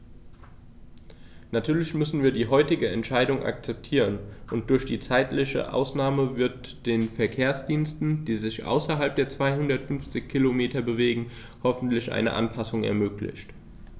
Natürlich müssen wir die heutige Entscheidung akzeptieren, und durch die zeitliche Ausnahme wird den Verkehrsdiensten, die sich außerhalb der 250 Kilometer bewegen, hoffentlich eine Anpassung ermöglicht.